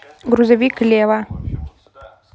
грузовик лева